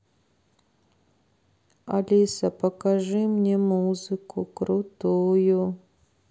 алиса покажи мне музыку крутую